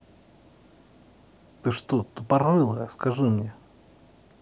ты что тупорылая скажи мне